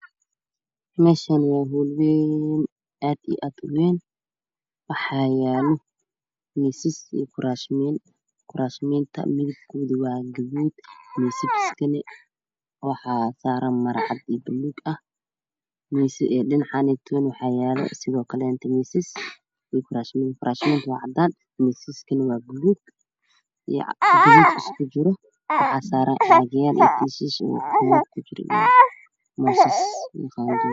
Meeshaani waa hool wayn aad iyo aad uwayn waxa yaalo miisas iyo kuraasmiin kuraasmiinta midabkooda waa guduud miisaskana waxaa saaran maro cadiin ah dhinacaaneeta waxaa yaalo sidoo kaleeto miisas iyo kuraasmiin kuraasmiinta waa cadaan miisaskana guduug iyo cadaan isku jiro waxaa saaran caagag yaalo iyo kiishash ku jiran qudaar mosas